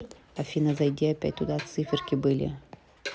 афина зайди опять туда циферки были